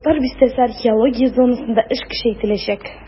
"татар бистәсе" археология зонасында эш көчәйтеләчәк.